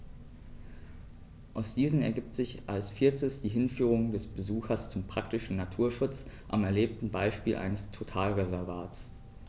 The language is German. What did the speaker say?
Aus diesen ergibt sich als viertes die Hinführung des Besuchers zum praktischen Naturschutz am erlebten Beispiel eines Totalreservats.